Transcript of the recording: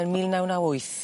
Yn mil naw naw wyth.